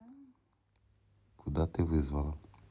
куда ты вызвала